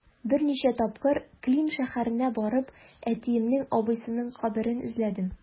Берничә тапкыр Клин шәһәренә барып, әтиемнең абыйсының каберен эзләдем.